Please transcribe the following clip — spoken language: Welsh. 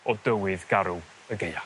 o dywydd garw y Gaea.